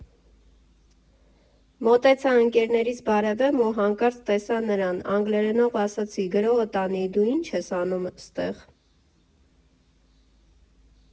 Մոտեցա՝ ընկերներիս բարևեմ ու հանկարծ տեսա նրան, անգլերենով ասացի՝ «Գրողը տանի, դու ի՞նչ ես անում ստեղ»։